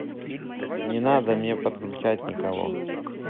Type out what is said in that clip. не надо мне подключать никого